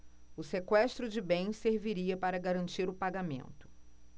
o sequestro de bens serviria para garantir o pagamento